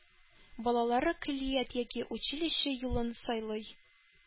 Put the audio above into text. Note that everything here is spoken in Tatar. Балалары көллият яки училище юлын сайлый.